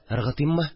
Ыргытыйммы